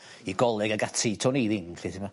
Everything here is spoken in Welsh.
i goleg ag ati to'n i ddim 'll ti'mo?